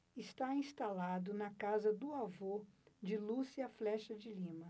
está instalado na casa do avô de lúcia flexa de lima